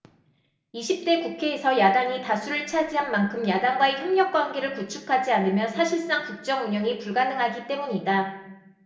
이십 대 국회에서 야당이 다수를 차지한 만큼 야당과의 협력관계를 구축하지 않으면 사실상 국정 운영이 불가능하기 때문이다